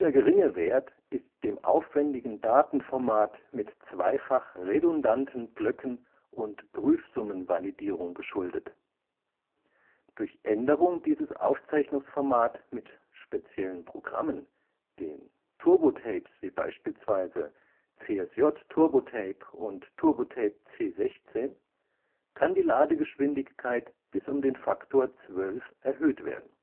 geringe Wert ist dem aufwendigen Datenformat mit zweifach redundanten Blöcken und Prüfsummenvalidierung geschuldet. Durch Änderung dieses Aufzeichnungsformats mit speziellen Programmen, den Turbo Tapes wie beispielsweise CSJ Turbo Tape und Turbotape C16, kann die Ladegeschwindigkeit bis um den Faktor 12 erhöht werden